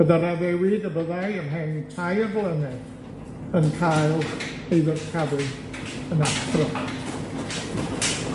Gyda'r addewid y byddai ymhen tair blynedd yn cael ei ddyrchafu yn athro.